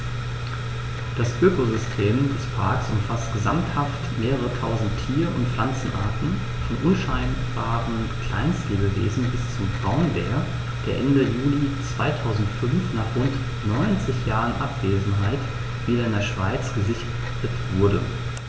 Das Ökosystem des Parks umfasst gesamthaft mehrere tausend Tier- und Pflanzenarten, von unscheinbaren Kleinstlebewesen bis zum Braunbär, der Ende Juli 2005, nach rund 90 Jahren Abwesenheit, wieder in der Schweiz gesichtet wurde.